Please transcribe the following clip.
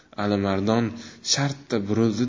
alimardon shartta burildi da